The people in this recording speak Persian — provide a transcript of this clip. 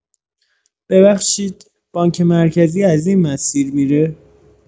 ببخشید، بانک مرکزی از این مسیر می‌ره؟